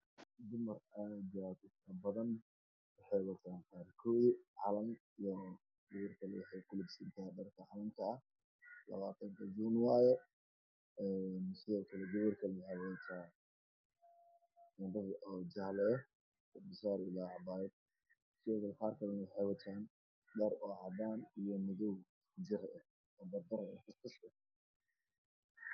Waa ii muuqda gabdho farabadan oo taagan leen waxa ayna wataan ti caddaan ah iyo dira caddaan ah qaarna waxay wataan calan buluug ah